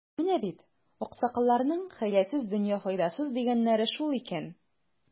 Менә бит, аксакалларның, хәйләсез — дөнья файдасыз, дигәннәре шул икән.